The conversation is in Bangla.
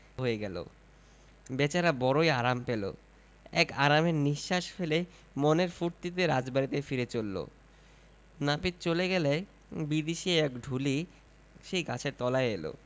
হয়ে গেল বেচারা বড়োই আরাম পেল এক আরামের নিঃশ্বাস ফেলে মনের ফুর্তিতে রাজবাড়িতে ফিরে চলল নাপিত চলে গেলে বিদেশী এক ঢুলি সেই গাছের তলায় এল